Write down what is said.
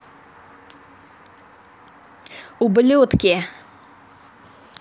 ублюдки